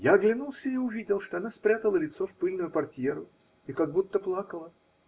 Я оглянулся и увидел, что она спрятала лицо в пыльную портьеру и как будто плакала.